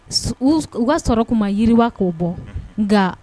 U b'a sɔrɔ' ma yiri ko'o bɔ nka